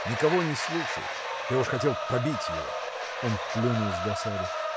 Никого не слушает — я уж хотел побить его. Он плюнул с досады.